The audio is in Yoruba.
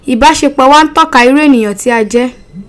Ibasepo wa n toka iru eniyan ti a je